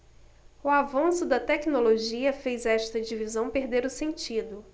o avanço da tecnologia fez esta divisão perder o sentido